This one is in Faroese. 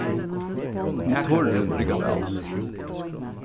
motorurin riggar væl